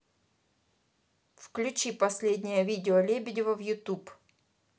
включи последнее видео лебедева в ютуб